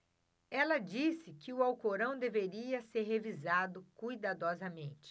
ela disse que o alcorão deveria ser revisado cuidadosamente